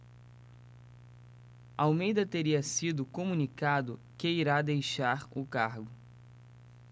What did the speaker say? almeida teria sido comunicado que irá deixar o cargo